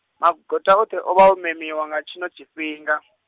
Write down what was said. magota oṱhe o vha o memiwa nga tshino tshifhinga .